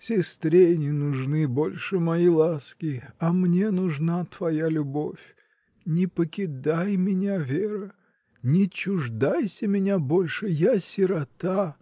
— Сестре не нужны больше мои ласки, а мне нужна твоя любовь — не покидай меня, Вера, не чуждайся меня больше: я сирота!